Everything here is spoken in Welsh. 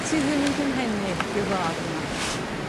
sy ddim yn gynhenid i'r wlad yma.